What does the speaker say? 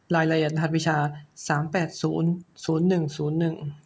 รายละเอียดรหัสวิชาสามแปดศูนย์ศูนย์หนึ่งศูนย์หนึ่ง